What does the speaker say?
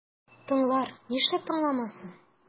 Тыңлар, нишләп тыңламасын?